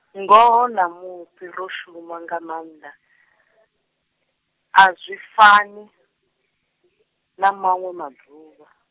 ngoho ṋamusi ro shuma nga manda , a zwi fani , na manwe maḓuvha.